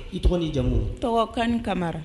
I tɔgɔ jamu tama kan kamara